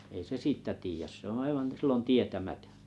ei se siitä tiedä se on aivan silloin tietämätön